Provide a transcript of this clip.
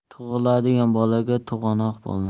tug'iladigan bolaga to'g'anoq bo'lma